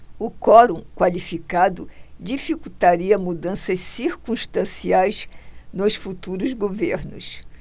o quorum qualificado dificultaria mudanças circunstanciais nos futuros governos